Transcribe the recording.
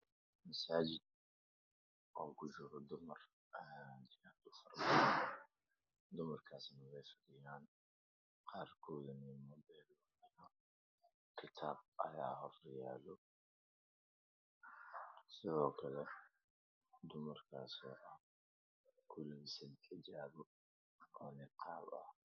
Meeshani waxaa yaalo baakad baakadani waxaa kujiro waraqqo midabkoodu cadaan yhay waxana saaran cabaayado midabkodu kala duwan yahay